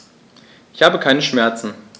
Ich habe keine Schmerzen.